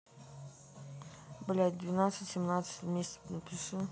блядь девятнадцать семнадцать вместе напиши